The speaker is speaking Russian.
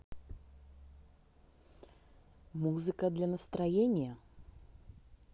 музыка для настроения